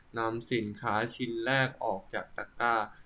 นำสินค้าชิ้นแรกออกจากตะกร้า